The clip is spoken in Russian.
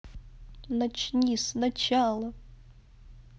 начни сначала